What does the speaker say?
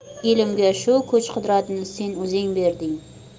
elimga shu kuch qudratni sen o'zing berding